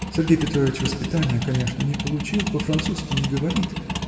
Сергей Петрович воспитания, конечно, не получил, по-французски не говорит